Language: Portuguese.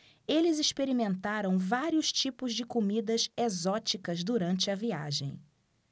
eles experimentaram vários tipos de comidas exóticas durante a viagem